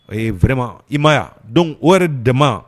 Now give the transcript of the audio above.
Vma i maya don o dɛmɛ